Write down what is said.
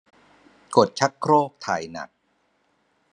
กดชักโครกถ่ายหนัก